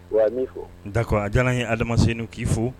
Da a diyara ye adamalimasen k'i fo